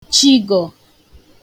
chigọ̀